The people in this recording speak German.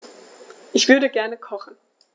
Ich würde gerne kochen.